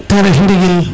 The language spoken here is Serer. te ref ndigil